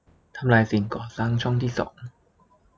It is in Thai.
ทำลายสิ่งก่อสร้างช่องที่สอง